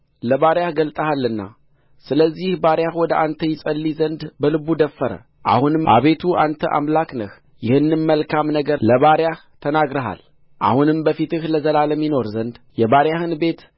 ለባሪያህ ገልጠሃልና ስለዚህ ባሪያህ ወዳንተ ይጸልይ ዘንድ በልቡ ደፈረ አሁንም አቤቱ አንተ አምላክ ነህ ይህንም መልካም ነገር ለባሪያህ ተናግረሃል አሁንም በፊትህ ለዘላለም ይኖር ዘንድ የባሪያህን ቤት